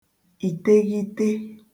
ìteghite